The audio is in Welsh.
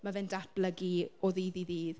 Mae fe'n datblygu o ddydd i ddydd.